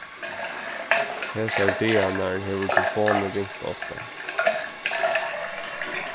hesar dagarnar hevur telefonin ringt ofta